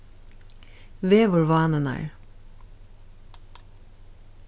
veðurvánirnar